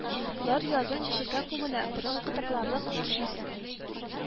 Лар язын чәчәккә күмелә, борын кытыкларлык хуш ис